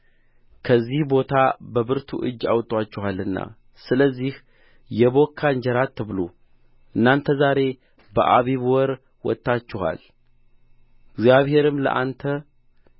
ከዚህ ቦታ በብርቱ እጅ አውጥቶአችኋልና ስለዚህ የቦካ እንጀራ አትብሉ እናንተ ዛሬ በአቢብ ወር ወጥታችኋል እግዚአብሔርም ለአንተ